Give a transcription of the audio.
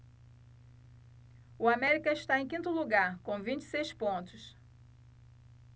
o américa está em quinto lugar com vinte e seis pontos